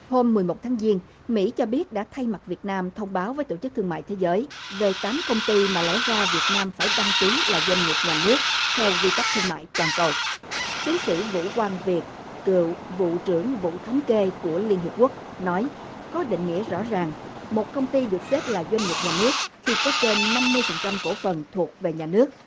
hôm mười một tháng giêng mỹ cho biết đã thay mặt việt nam thông báo với tổ chức thương mại thế giới về tám công ty mà lẽ ra việt nam phải đăng ký là doanh nghiệp nhà nước theo quy tắc thương mại toàn cầu tiến sĩ vũ quang việt cựu vụ trưởng vụ thống kê của liên hiệp quốc nói có định nghĩa rõ ràng một công ty được xếp là doanh nghiệp nhà nước thì có trên năm mươi phần trăm cổ phần thuộc về nhà nước